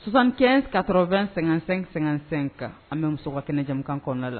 Sonsan2ɛn katɔ2 sɛgɛn2- sɛgɛnsɛn kan an bɛ muso kɛnɛ jamana kɔnɔna la